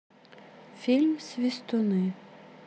фильм свистуны